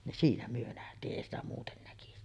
niin siinä me nähtiin ei sitä muuten näkisi